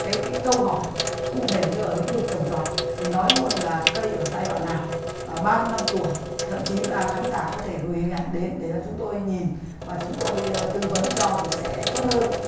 cái cái câu hỏi cụ thể như ở lĩnh vực trồng trọt thì nói luôn là cây ở giai đoạn nào và bao nhiêu năm tuổi thậm chí là khán giả có thể gửi hình ảnh đến để cho chúng tôi nhìn vào chúng tôi tư vấn cho thì sẽ tốt hơn